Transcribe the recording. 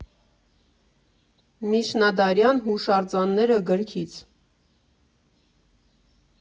Միջնադարյան հուշարձանները» գրքից։